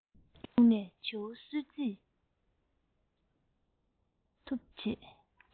བརྒྱུགས ནས བྱིའུ གསོད ཅི ཐུབ བྱེད